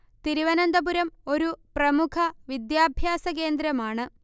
തിരുവനന്തപുരം ഒരു പ്രമുഖ വിദ്യാഭ്യാസ കേന്ദ്രമാണ്